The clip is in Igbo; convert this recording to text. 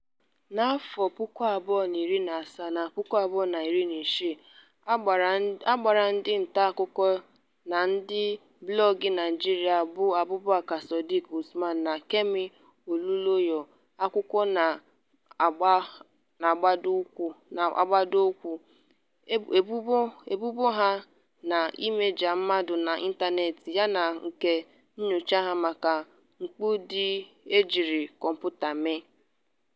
N'afọ 2017 na 2016, a gbara ndị ntaakụkọ na ndị odee blọọgụ Naịjirịa bụ Abubakar Sidiq Usman na Kemi Olunloyo akwụkwọ na mgbadoụkwụ ebubo ụgha na ịmaja mmadụ n'ịntaneetị ya na nke nyocha ha maka mpụ ndị e jiri kọmputa mee.